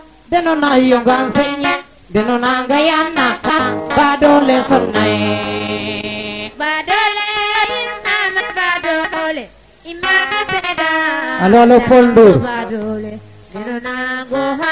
so wasana fop xaq iyo xaye comme ne leyta noona Djiby i ndoka ten faak ndaq wo ndokaa teen xaye iyo mbakan no coté variéte leyanga varieté rek o leye o ax mbaa xa axa xe boog